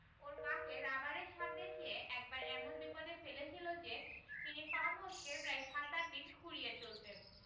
ওর মাকে রবারের সাপ দেখিয়ে একবার এমন বিপদে ফেলেছিল যে তিনি পা মচ্ কে প্রায় সাত আটদিন খুঁড়িয়ে চলতেন